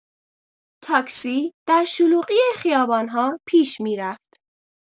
تاکسی در شلوغی خیابان‌ها پیش می‌رفت.